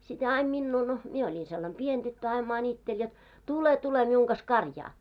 sitten hän aina minua no minä olin sellainen pieni tyttö aina maanitteli jotta tule tule minun kanssa karjaan